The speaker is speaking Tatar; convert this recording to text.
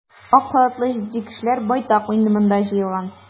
Ак халатлы җитди кешеләр байтак инде монда җыелган.